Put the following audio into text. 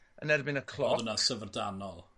yn erbyn y cloc. Odd wna syfrdanol.